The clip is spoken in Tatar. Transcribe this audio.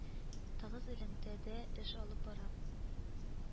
Тыгыз элемтәдә эш алып бара